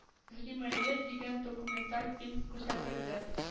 “зримая вера” дигән документаль фильм күрсәтелде